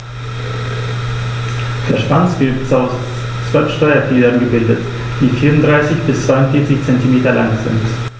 Der Schwanz wird aus 12 Steuerfedern gebildet, die 34 bis 42 cm lang sind.